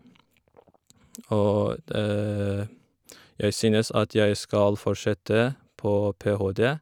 Og jeg synes at jeg skal fortsette på PhD.